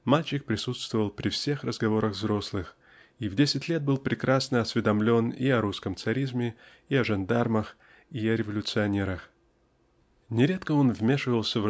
Мальчик присутствовал при всех разговорах взрослых и в десять лет был прекрасно осведомлен и о русском царизме и о жандармах и о революционерах. Нередко он вмешивался